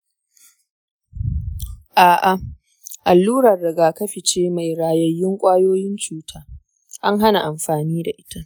a’a, allurar rigakafi ce mai rayayyun ƙwayoyin cuta. an hana amfani da ita.